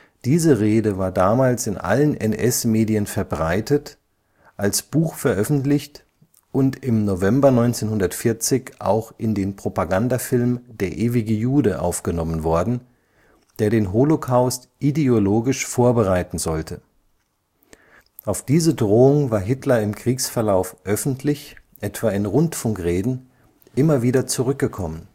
Diese Rede war damals in allen NS-Medien verbreitet, als Buch veröffentlicht und im November 1940 auch in den Propagandafilm Der Ewige Jude aufgenommen worden, der den Holocaust ideologisch vorbereiten sollte. Auf diese Drohung war Hitler im Kriegsverlauf öffentlich, etwa in Rundfunkreden, immer wieder zurückgekommen